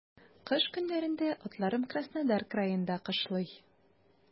Кыш көннәрендә атларым Краснодар краенда кышлый.